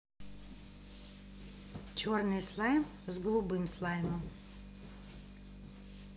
черный слайм с голубым слаймом